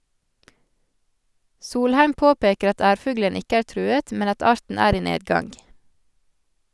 Solheim påpeker at ærfuglen ikke er truet, men at arten er i nedgang.